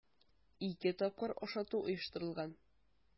Ике тапкыр ашату оештырылган.